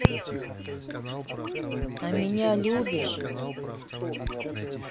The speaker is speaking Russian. а меня любишь